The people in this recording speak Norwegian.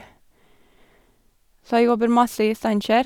Så jeg jobber masse i Steinkjer.